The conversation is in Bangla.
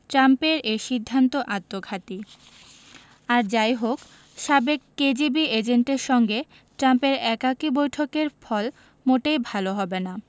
ট্রাম্পের এই সিদ্ধান্ত আত্মঘাতী আর যা ই হোক সাবেক কেজিবি এজেন্টের সঙ্গে ট্রাম্পের একাকী বৈঠকের ফল মোটেই ভালো হবে না